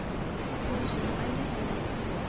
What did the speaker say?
boshim aylanayapti